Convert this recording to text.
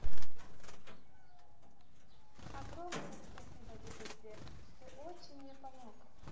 огромное спасибо тебе сбер ты очень мне помог